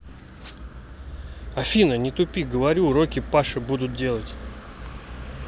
афина не тупи говорю уроки паши будут делать